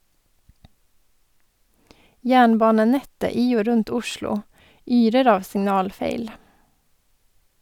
Jernbanenettet i og rundt Oslo yrer av signalfeil.